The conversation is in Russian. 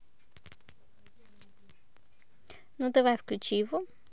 ну давай выключи его